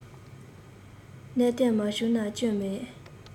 གནད དོན མ བྱུང ན སྐྱོན མེད